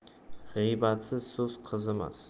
g'iybatsiz so'z qizimas